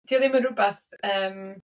Dio ddim yn rywbeth ymm...